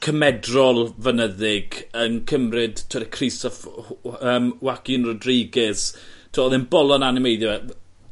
cymedrol fynyddig yn cymryd t'wod y crys off Wh- wh yym Juaquin Rodriguez t'o' odd e'n bolon animeiddio yy yy.